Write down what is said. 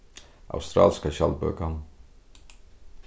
australska skjaldbøkan